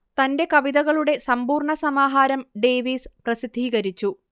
തന്റെ കവിതകളുടെ സമ്പൂർണ സമാഹാരം ഡേവീസ് പ്രസിദ്ധീകരിച്ചു